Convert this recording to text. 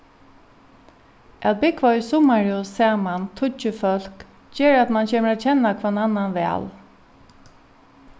at búgva í summarhús saman tíggju fólk ger at mann kemur at kenna hvønn annan væl